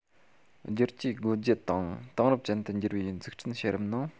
བསྒྱུར བཅོས སྒོ འབྱེད དང དེང རབས ཅན དུ འགྱུར བའི འཛུགས སྐྲུན བྱེད རིམ ནང